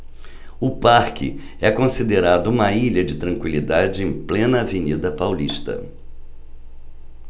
o parque é considerado uma ilha de tranquilidade em plena avenida paulista